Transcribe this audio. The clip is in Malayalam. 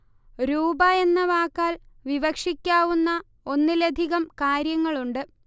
രൂപ എന്ന വാക്കാൽ വിവക്ഷിക്കാവുന്ന ഒന്നിലധികം കാര്യങ്ങളുണ്ട്